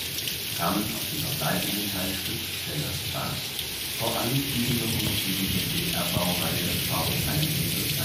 kamen auf dem verbliebenen Abschnitt bis Barth vor allem Diesellokomotiven der DR-Baureihe V 100/110